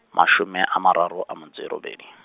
mashome a mararo, a motso e robedi.